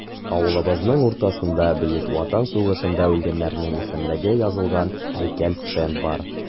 Авылыбызның уртасында Бөек Ватан сугышында үлгәннәрнең исемлеге язылган һәйкәл-стенд бар.